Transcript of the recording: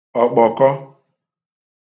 ọ̀kpọ̀kọ